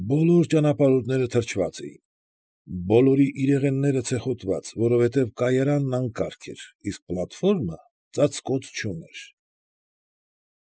Բոլոր ճանապարհորդները թրջված էին, բոլորի իրեղենները՝ ցեխոտված, որովհետև կայարանն անկարգ էր, իսկ պլատֆորմը ծածկոց չուներ։